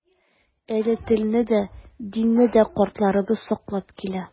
Әле телне дә, динне дә картларыбыз саклап килә.